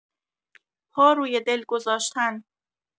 پا روی دل گذاشتن